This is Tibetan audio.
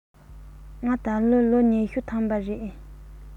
ང ད ལོ ལོ ཉི ཤུ ཐམ པ རེད